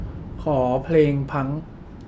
ขอเพลงพังค์